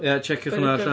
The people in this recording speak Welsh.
Ia tsieciwch hwnna allan.